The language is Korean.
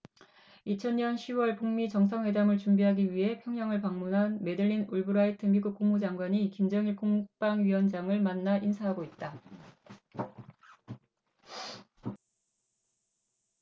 이천 년 시 월 북 미 정상회담을 준비하기 위해 평양을 방문한 매들린 올브라이트 미국 국무장관이 김정일 국방위원장을 만나 인사하고 있다